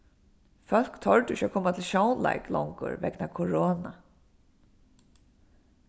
fólk tordu ikki at koma til sjónleik longur vegna koronu